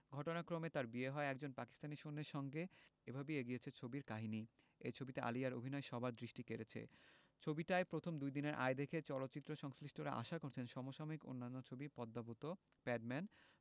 ঘটনাক্রমে তার বিয়ে হয় একজন পাকিস্তানী সৈন্যের সঙ্গে এভাবেই এগিয়েছে ছবির কাহিনী এই ছবিতে আলিয়ার অভিনয় সবার দৃষ্টি কেড়েছে ছবিটার প্রথম দুইদিনের আয় দেখে চলচ্চিত্র সংশ্লিষ্টরা আশা করছেন সম সাময়িক অন্যান্য ছবি পদ্মাবত প্যাডম্যান